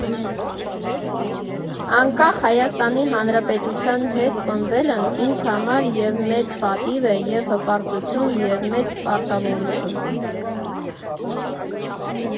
Անկախ Հայաստանի Հանրապետության հետ ծնվելն ինձ համար և՛ մեծ պատիվ է, և՛ հպարտություն, և՛ մեծ պարտավորություն։